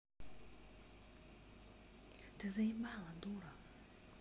ты заебала дура